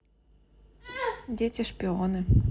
дети шпионы